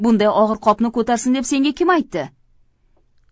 bunday og'ir qopni ko'tarsin deb senga kim aytdi